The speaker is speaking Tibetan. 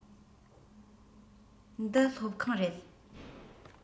འདི སློབ ཁང རེད